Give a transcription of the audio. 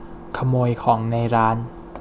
ขโมยของในร้าน